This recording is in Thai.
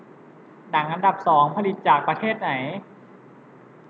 หนังอันดับสองผลิตจากประเทศไหน